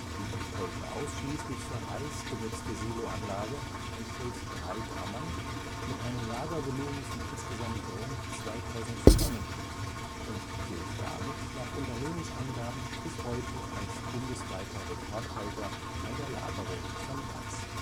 Die heute ausschließlich für Reis genutzte Siloanlage enthält drei Kammern mit einem Lagervolumen von insgesamt rund 2000 Tonnen und gilt damit nach Unternehmensangaben bis heute als bundesweiter Rekordhalter bei der Lagerung von Reis